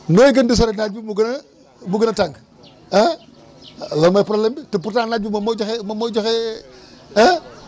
nooy gën di soree naaj bi mu gën a mu gën a tàng ah lan mooy problème bi te pourtant naaj bi moom mooy joxe moom mooy joxe ah